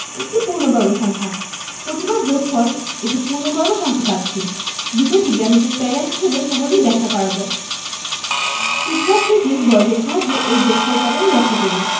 একটি পূর্ণবর্গ সংখ্যা প্রতিবার যোগফল একটি পূর্ণবর্গ সংখ্যা পাচ্ছি বিষয়টি জ্যামিতিক প্যাটার্ন হিসেবে সহজেই ব্যাখ্যা করা যায় ক্ষুদ্রাকৃতির বর্গের সাহায্যে এই যোগফল প্যাটার্ন লক্ষ করি